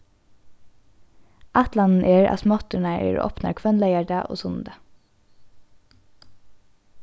ætlanin er at smátturnar eru opnar hvønn leygardag og sunnudag